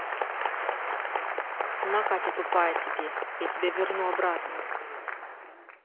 на катя тупая тебе я тебя верну обратно